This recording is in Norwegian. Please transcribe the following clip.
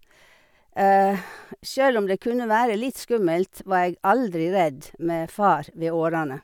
Sjøl om det kunne være litt skummelt, var jeg aldri redd med far ved årene.